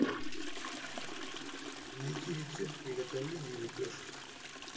найти рецепт приготовления лепешек